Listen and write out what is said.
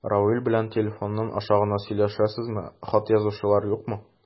Равил белән телефон аша гына сөйләшәсезме, хат язышулар юкмы?